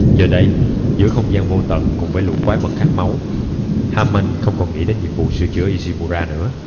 giờ đây giữa không gian vô tận cùng với lũ quái vật khát máu hammond không còn nghĩ đến nhiệm vụ sửa chữa ishimura nữa